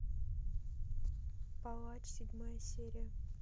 палач седьмая серия